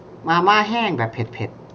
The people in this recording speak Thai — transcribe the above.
มาม่าแห้งแบบเผ็ดเผ็ด